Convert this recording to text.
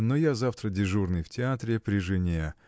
– но я завтра дежурный в театре при жене